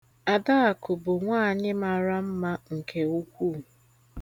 Adakụ bụ nwaanyị mara mma nke ukwuu.